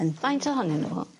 yn... Faint ohonyn n'w?